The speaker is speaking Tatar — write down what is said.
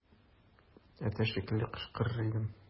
Әтәч шикелле кычкырыр идем.